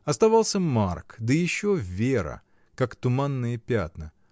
Оставался Марк, да еще Вера, как туманные пятна.